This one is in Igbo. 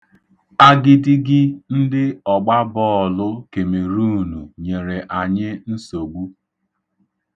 Agidigi ndị ọgbabọọlụ Kemeruunu nyere anyị nsogbu.